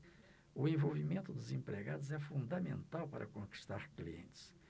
o envolvimento dos empregados é fundamental para conquistar clientes